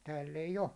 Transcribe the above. täällä ei ole